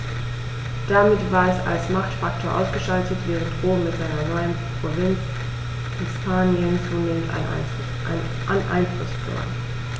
Damit war es als Machtfaktor ausgeschaltet, während Rom mit seiner neuen Provinz Hispanien zunehmend an Einfluss gewann.